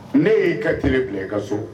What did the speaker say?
Ne ye ka kɛnɛ tigɛ ka so